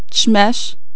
التشماش